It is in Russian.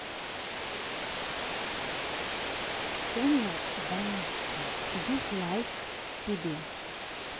понял ванюшка дизлайк тебе